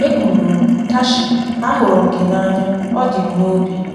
Ekwuru m, “Tashi, ahụrụ m gị n’anya, ọ dị m n'obi.